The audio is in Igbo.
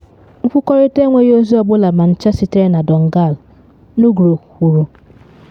Nkwukọrịta enweghị ozi ọ bụla ma ncha sitere na Donggala, Nugroho kwuru.